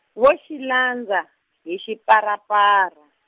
vo xi landza hi, xiparapara.